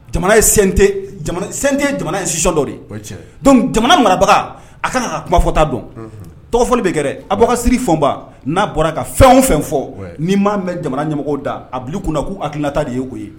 Jamana yete jamana ye sisi dɔ donc jamana marabaga a ka ka kuma fɔta dɔn tɔgɔ fɔli bɛɛrɛ a bɔsiri fɔba n'a bɔra ka fɛn o fɛn fɔ nii' mɛn jamana ɲɛmɔgɔ da a kunna k' ha hakilikiinata de ye ko ye